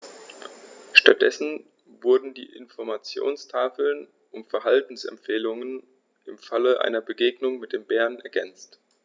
Stattdessen wurden die Informationstafeln um Verhaltensempfehlungen im Falle einer Begegnung mit dem Bären ergänzt.